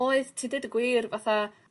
Oedd ti deud y gwir fatha